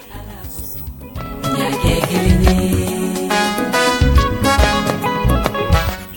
San maa